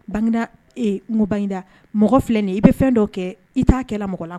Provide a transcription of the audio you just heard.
Bangeda bangeda mɔgɔ filɛin i bɛ fɛn dɔ kɛ i t'a kɛlɛ mɔgɔ la